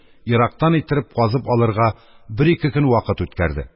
Ерактан иттереп казып алырга бер-ике көн вакыт үткәрде.